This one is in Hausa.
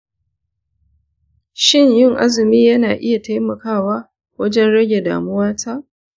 shin yin azumi yana iya taimakawa wajen rage damuwata?